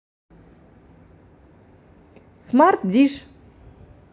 smart death